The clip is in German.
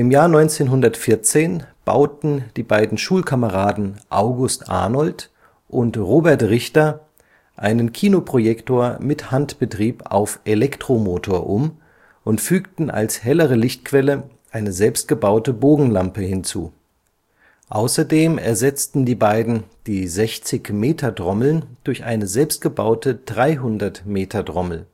Jahr 1914 bauten die beiden Schulkameraden August Arnold und Robert Richter einen Kinoprojektor mit Handbetrieb auf Elektromotor um und fügten als hellere Lichtquelle eine selbstgebaute Bogenlampe hinzu. Außerdem ersetzten die beiden die 60-m-Trommeln durch eine selbstgebaute 300-m-Trommel